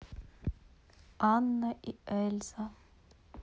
анна и эльза